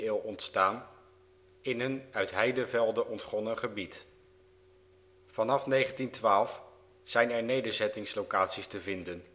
ontstaan in een uit heidevelden ontgonnen gebied. Vanaf 1912 zijn er nederzettingslocaties te vinden